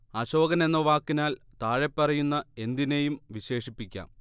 അശോകൻ എന്ന വാക്കിനാൽ താഴെപ്പറയുന്ന എന്തിനേയും വിശേഷിപ്പിക്കാം